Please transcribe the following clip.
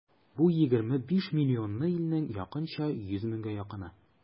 Бу егерме биш миллионлы илнең якынча йөз меңгә якыны.